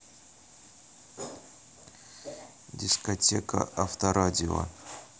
дискотека авторадио